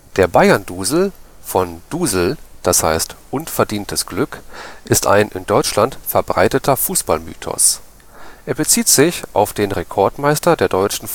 Der Bayern-Dusel (von Dusel, d. h. unverdientes Glück) ist ein in Deutschland verbreiteter Fußballmythos. Er bezieht sich auf den Rekordmeister der deutschen